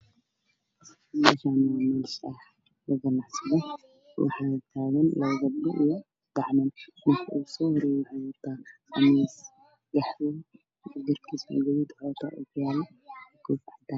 Meeshan waa meel lagu ganacsano waxaa taagan gabdhood oo wata indha shareer